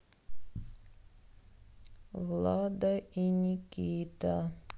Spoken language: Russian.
влада и никита